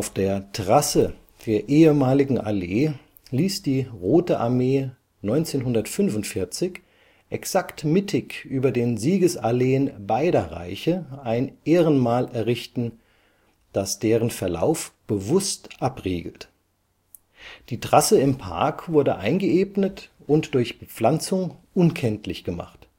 der Trasse der ehemaligen Allee ließ die Rote Armee 1945 exakt mittig über den Siegesalleen beider Reiche ein Ehrenmal errichten, das deren Verlauf bewusst abriegelt. Die Trasse im Park wurde eingeebnet und durch Bepflanzung unkenntlich gemacht